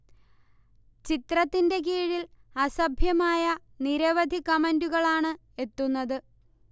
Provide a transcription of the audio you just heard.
ചിത്രത്തിന്റെ കീഴിൽ അസഭ്യമായ നിരവധി കമന്റുകളാണ് എ്ത്തുന്നത്